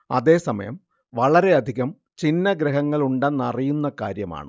അതേ സമയം വളരെയധികം ഛിന്നഗ്രഹങ്ങളുണ്ടെന്നറിയുന്ന കാര്യമാണ്